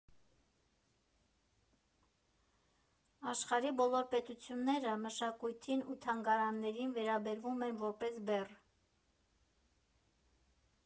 Աշխարհի բոլոր պետությունները մշակույթին ու թանգարաններին վերաբերվում են որպես բեռ։